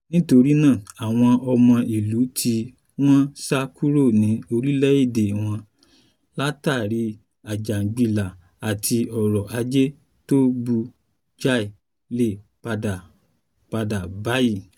Nítorí náà, àwọn ọmọ ìlú tí wọ́n sá kúrò ní orílẹ̀-èdè wọn látàrí àjàngbilà àti ọrọ̀-ajé tó buŕ jáì lè padà padà báyìí.